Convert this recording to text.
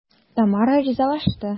Тамара ризалашты.